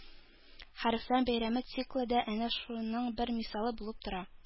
«хәрефләр бәйрәме» циклы да әнә шуның бер мисалы булып тора